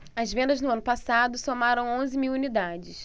as vendas no ano passado somaram onze mil unidades